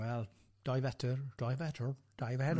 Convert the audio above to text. Wel, doi fetr, doi fetr, dau fetr.